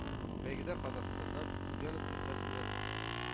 “бәйгедә казахстаннан, ульяновск өлкәсеннән,